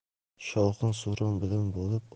shovqin suron bilan bo'lib